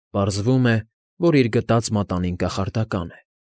Պարզվում է, որ իր գտած մատանին կախարդական է։